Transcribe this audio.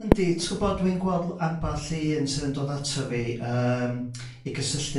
Yndi tw'bod dwi'n gweld ambell i un sydd yn dod ata fi yym i gysylltu